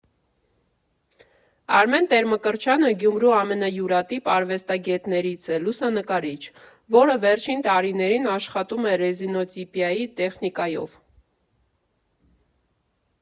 Արմեն Տեր֊Մկրտչյանը Գյումրու ամենայուրատիպ արվեստագետներից է, լուսանկարիչ, որը վերջին տարիներին աշխատում է ռեզինոտիպիայի տեխնիկայով։